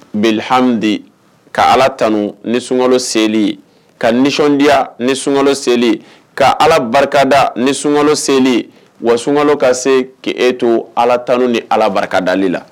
Bilhamdi ka Ala tano ni sunkalo seli, ka nisɔnondiya ni sunkalo seli, ka Ala barikada ni sunkalo seli ye, wa sunkalo ka se k'e to Ala tano ni Ala barika dalila.